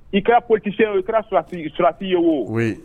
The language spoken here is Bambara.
I kaa ptise i kɛrati surati ye o o ye